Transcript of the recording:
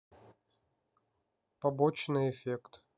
побочный эффект